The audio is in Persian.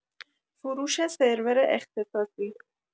فروش سرور اختصاصی